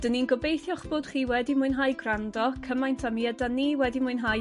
'Dyn 'ni'n gobeithio eich bod chi wedi mwynhau gwrando cymaint â mi yda ni wedi mwynhau